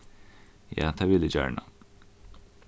ja tað vil eg gjarna